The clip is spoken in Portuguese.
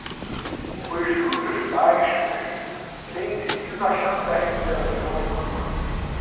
os juros baixos têm sido a chave da recuperação econômica